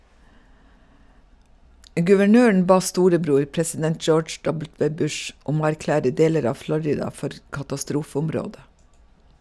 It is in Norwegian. Guvernøren ba storebror, president George W. Bush, om å erklære deler av Florida for katastrofeområde.